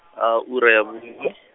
ura ya .